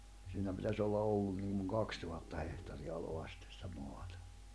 siinä pitäisi olla ollut niin kuin kaksituhatta hehtaarinalaa sitten sitä maata